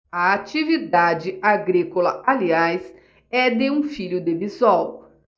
a atividade agrícola aliás é de um filho de bisol